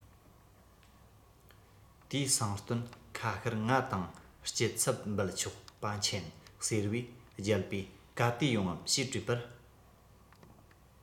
དུས སང སྟོན ཁ ཤར བ དང སྐྱིད ཚབ འབུལ ཆོག པ མཁྱེན ཟེར བས རྒྱལ པོས ག དུས ཡོང ངམ ཞེས དྲིས པར